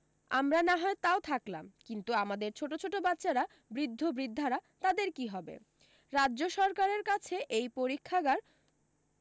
আমরা না হয় তাও থাকলাম কিন্তু আমাদের ছোট ছোট বাচ্চারা বৃদ্ধ বৃদ্ধারা তাদের কী হবে রাজ্য সরকারের কাছে এই পরীক্ষাগার